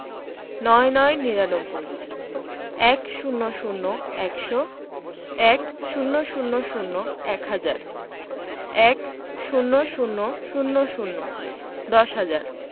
৯৯ নিরানব্বই ১০০ একশো ১০০০ এক হাজার ১০০০০ দশ হাজার